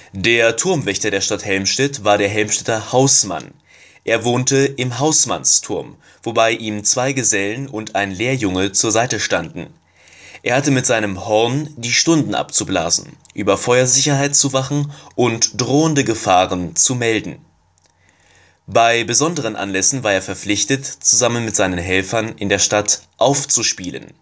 Der Turmwächter der Stadt Helmstedt war der Helmstedter Hausmann. Er wohnte im Hausmannsturm, wobei ihm zwei Gesellen und ein Lehrjunge zur Seite standen. Er hatte mit seinem Horn „ die Stunden abzublasen “, über Feuersicherheit zu wachen und drohende Gefahren zu melden. Bei besonderen Anlässen war er verpflichtet, zusammen mit seinen Helfern in der Stadt „ aufzuspielen